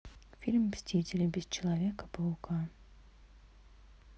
фильм мстители без человека паука